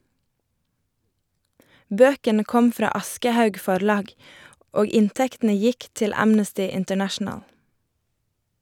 Bøkene kom fra Aschehoug Forlag, og inntektene gikk til Amnesty International.